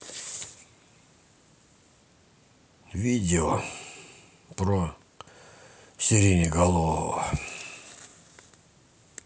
видео про сиреноголового